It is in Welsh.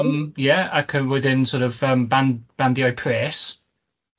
Yym ie ac yy roedd e'n sort of yym band- bandiau pres ie yym.